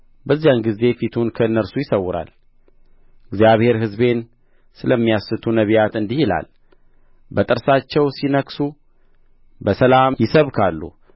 በዚያን ጊዜ ፊቱን ከእነርሱ ይሰውራል እግዚአብሔር ሕዝቤን ስለሚያስቱ ነቢያት እንዲህ ይላል በጥርሳቸው ሲነክሱ በሰላም ይሰብካሉ